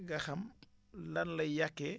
nga xam lan lay yàqee